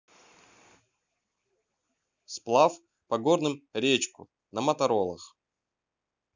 сплав по горным речку на моторолах